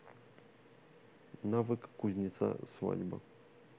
навык кузнеца свадьба